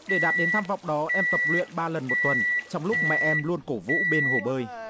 để đạt đến tham vọng đó em tập luyện ba lần một tuần trong lúc mẹ em luôn cổ vũ bên hồ bơi